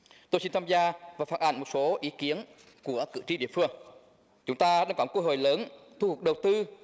tôi xin tham gia vào một số ý kiến của cử tri địa phương chúng ta đã có cơ hội lớn thu hút đầu tư